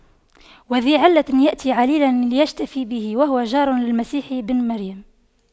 وذى علة يأتي عليلا ليشتفي به وهو جار للمسيح بن مريم